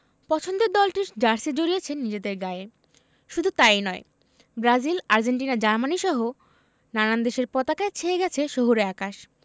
পছন্দের দলটির জার্সি জড়িয়েছেন নিজেদের গায়ে শুধু তা ই নয় ব্রাজিল আর্জেন্টিনা জার্মানিসহ নানান দেশের পতাকায় ছেয়ে গেছে শহুরে আকাশ